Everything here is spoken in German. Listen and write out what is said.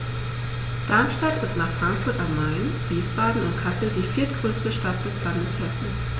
Darmstadt ist nach Frankfurt am Main, Wiesbaden und Kassel die viertgrößte Stadt des Landes Hessen